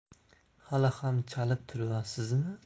hali ham chalib turasizmi